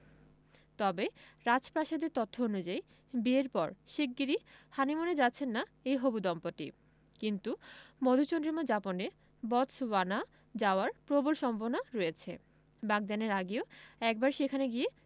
তবে রাজপ্রাসাদের তথ্য অনুযায়ী বিয়ের পর শিগগিরই হানিমুনে যাচ্ছেন না এই হবু দম্পতি কিন্তু মধুচন্দ্রিমা যাপনে বটসওয়ানা যাওয়ার প্রবল সম্ভাবনা রয়েছে বাগদানের আগেও একবার সেখানে গিয়ে